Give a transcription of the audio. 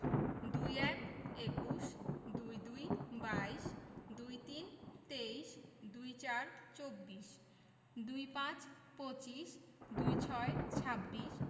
২১ – একুশ ২২ – বাইশ ২৩ – তেইশ ২৪ – চব্বিশ ২৫ – পঁচিশ ২৬ – ছাব্বিশ